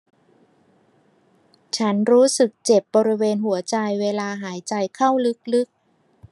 ฉันรู้สึกเจ็บบริเวณหัวใจเวลาหายใจเข้าลึกลึก